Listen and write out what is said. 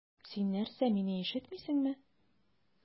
Син нәрсә, мине ишетмисеңме?